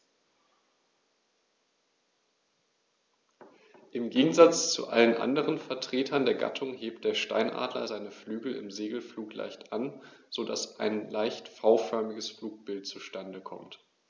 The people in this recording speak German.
Im Gegensatz zu allen anderen Vertretern der Gattung hebt der Steinadler seine Flügel im Segelflug leicht an, so dass ein leicht V-förmiges Flugbild zustande kommt.